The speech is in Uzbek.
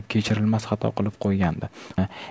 kechirilmas xato qilib qo'ygandi